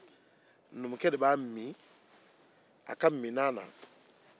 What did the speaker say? numukɛ de b'a min a ka minnan na